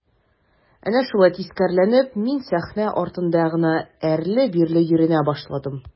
Әнә шулай тискәреләнеп мин сәхнә артында гына әрле-бирле йөренә башладым.